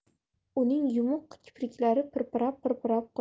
uning yumuq kipriklari pirpirab pirpirab qo'yar